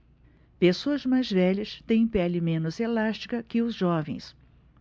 pessoas mais velhas têm pele menos elástica que os jovens